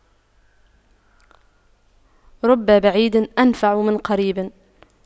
رب بعيد أنفع من قريب